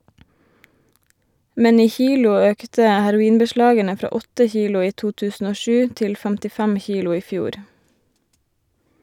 Men i kilo økte heroinbeslagene fra 8 kilo i 2007 til 55 kilo i fjor.